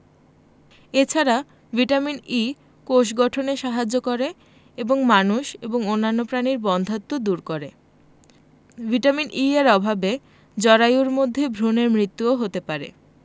এ ছাড়া vitamin E কোষ গঠনে সাহায্য করে এবং মানুষ এবং অন্যান্য প্রাণীর বন্ধ্যাত্ব দূর করে ভিটামিন E এর অভাবে জরায়ুর মধ্যে ভ্রুনের মৃত্যুও হতে পারে